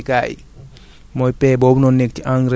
boobu moo nekk ci engrais NPK yi